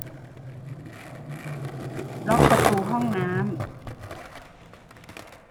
ล็อกประตูห้องน้ำ